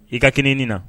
I ka kɛnɛinin na